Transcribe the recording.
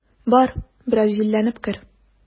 Бар, бераз җилләнеп кер.